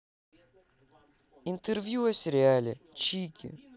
интервью о сериале чики